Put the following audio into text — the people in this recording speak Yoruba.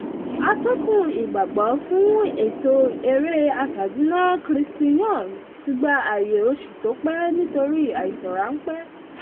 Atọ́kùn ìgbàgbogbo fún ètò eré-asájìnnà, Kirsty Young, tí gba ààyè oṣù tó ps nítórí àìsàn ráńpẹ́.